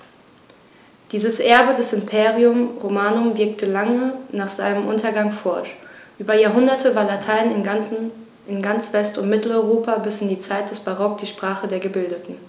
Dieses Erbe des Imperium Romanum wirkte lange nach seinem Untergang fort: Über Jahrhunderte war Latein in ganz West- und Mitteleuropa bis in die Zeit des Barock die Sprache der Gebildeten.